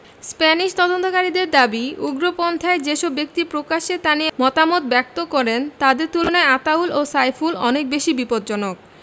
Spanish তদন্তকারীদের দাবি উগ্রপন্থায় যেসব ব্যক্তি প্রকাশ্যে তা নিয়ে মতামত ব্যক্ত করেন তাদের তুলনায় আতাউল ও সাইফুল অনেক বেশি বিপজ্জনক